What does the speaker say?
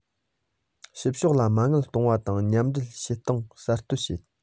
ཕྱི ཕྱོགས ལ མ དངུལ གཏོང བ དང མཉམ ལས བྱེད སྟངས གསར གཏོད བྱེད